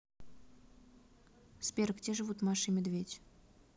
сбер где живут маша и медведь